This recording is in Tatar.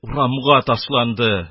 Урамга ташланды.